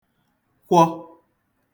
kwọ